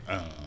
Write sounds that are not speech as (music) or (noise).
(hesitation) (hesitation)